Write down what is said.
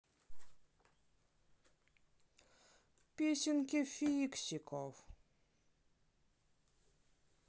песенки фиксиков